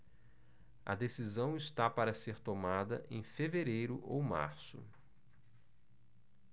a decisão está para ser tomada em fevereiro ou março